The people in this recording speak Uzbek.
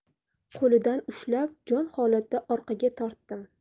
qo'lidan ushlab jonholatda orqaga tortdim